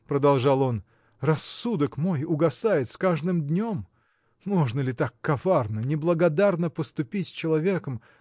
– продолжал он, – рассудок мой угасает с каждым днем. Можно ли так коварно неблагодарно поступить с человеком